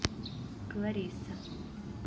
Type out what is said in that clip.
klarissa